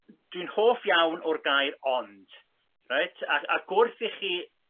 dwi'n hoff iawn o'r gair ond rett ac a wrth i chi